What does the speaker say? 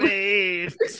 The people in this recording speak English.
Mate!